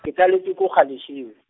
ke tsaletswe ko Galeshewe.